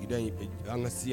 An ka se